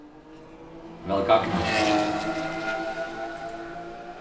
væl gagnist